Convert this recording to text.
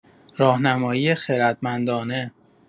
راهنمایی خردمندانه